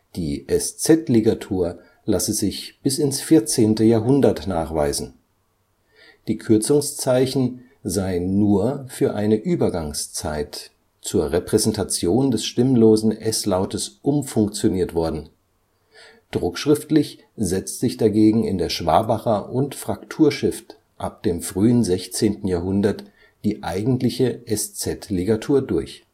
Die Es-Zett-Ligatur lasse sich bis ins 14. Jahrhundert nachweisen. Die Kürzungszeichen seien nur für eine Übergangszeit „ zur Repräsentation des stimmlosen s-Lautes umfunktioniert “worden, druckschriftlich „ setzt sich dagegen in der Schwabacher - und Frakturschrift ab dem frühen 16. Jh. die eigentliche Es-Zett-Ligatur durch